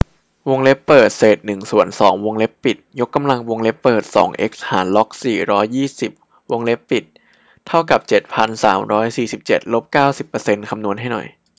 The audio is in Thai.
วงเล็บเปิดเศษหนึ่งส่วนสองวงเล็บปิดยกกำลังวงเล็บเปิดสองเอ็กซ์หารล็อกสี่ร้อยยี่สิบวงเล็บปิดเท่ากับเจ็ดพันสามร้อยสี่สิบเจ็ดลบเก้าสิบเปอร์เซ็นต์คำนวณให้หน่อย